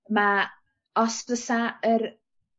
ma' os do's a yr